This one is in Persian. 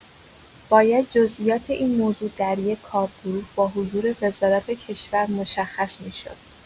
باید جزئیات این موضوع در یک کارگروه با حضور وزارت کشور مشخص می‌شد.